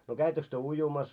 no kävittekö te uimassa